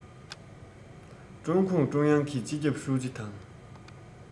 ཀྲུང གུང ཀྲུང དབྱང གི སྤྱི ཁྱབ ཧྲུའུ ཅི དང